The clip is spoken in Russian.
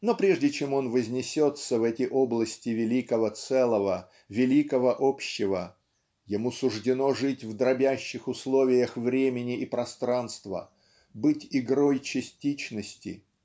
но, прежде чем он вознесется в эти области великого целого, великого общего, ему суждено жить в дробящих условиях времени и пространства, быть игрой частичности,